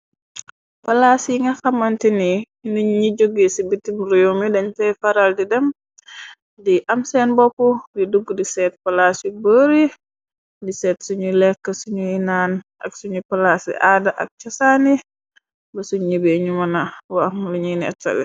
Palaas yi nga xamante ni ndañ ñi jóge ci bitim roumi dañ fay faral di dem. Di am seen bopp li dugg di seet palaas yu bëre. Di seet suñu lekk suñuy naan ak suñu palaasi aada. Ak casaani ba suñ ñibee ñu mëna waxm luñuy nettal.